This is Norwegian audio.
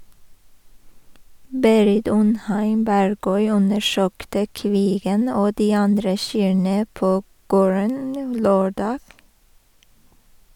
Berit Undheim Bergøy undersøkte kvigen og de andre kyrne på gården lørdag.